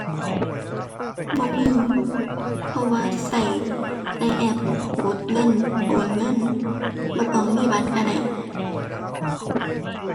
บ่มี เพราะว่าใช้แต่แอปกดเงิน โอนเงิน บ่ต้องมีบัตรใช้ได้